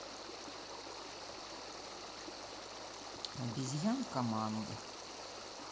обезьянка манго